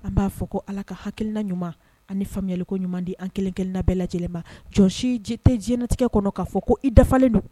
An b'a fɔ ko ala ka hakiina ɲuman ani faamuyayaliko ɲuman di an kelenkelenla bɛɛ lajɛlen ma jɔsi tɛ diɲɛinɛtigɛ kɔnɔ k'a fɔ ko i dafalen don